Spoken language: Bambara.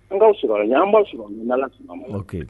An ka an b' su